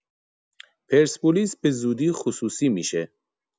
پرسپولیس به‌زودی خصوصی می‌شه.